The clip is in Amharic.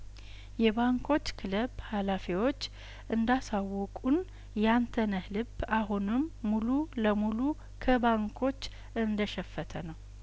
የባንኮች ክለብ ሀላፊዎች እንዳ ሳወቁን የአንተነህ ልብ አሁንም ሙሉ ለሙሉ ከባንኮች እንደሸፈተ ነው